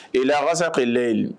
Ela wasa ki lɛyili